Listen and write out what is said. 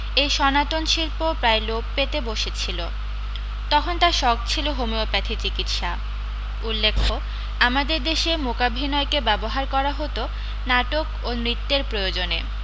এই সনাতন শিল্প প্রায় লোপ পেতে বসেছিল তখন তার শখ ছিল হোমিওপ্যাথি চিকিৎসা উল্লেখ্য আমাদের দেশে মূকাভিনয়কে ব্যবহার করা হত নাটক ও নৃত্যের প্রয়োজনে